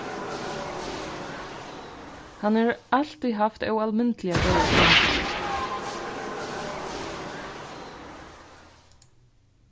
hann hevur altíð havt óalmindiliga góðar svøvngávur